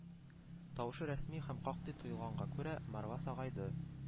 Тавышы рәсми һәм катгый тоелганга күрә, Марва сагайды: